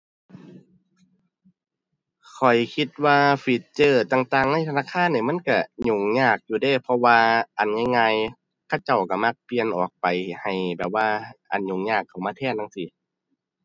ข้อยคิดว่าฟีเจอร์ต่างต่างในธนาคารนี่มันก็ยุ่งยากอยู่เดะ เพราะว่า อันง่ายง่าย เขาเจ้าก็มักเปลี่ยนออกไปให้แบบว่าอันยุ่งยากเข้ามาแทนจั่งซี้